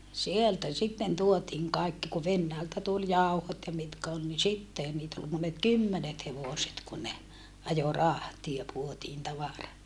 sieltä sitten tuotiin kaikki kun Venäjältä tuli jauhot ja mitkä oli niin sittenhän niitä oli monet kymmenet hevoset kun ne ajoi rahtia puotiin tavara